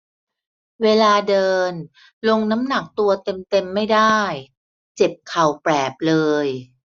เวลาเดินลงน้ำหนักตัวเต็มเต็มไม่ได้เจ็บเข่าแปลบเลย